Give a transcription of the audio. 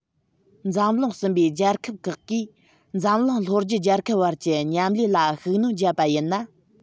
འཛམ གླིང གསུམ པའི རྒྱལ ཁབ ཁག གིས འཛམ གླིང ལྷོ རྒྱུད རྒྱལ ཁབ བར གྱི མཉམ ལས ལ ཤུགས སྣོན བརྒྱབ པ ཡིན ན